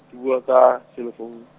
ke bua ka, selefounu.